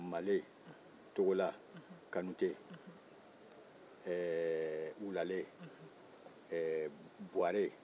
male togola kanutɛ ɛɛ wulalɛ ɛɛ bɔrɛ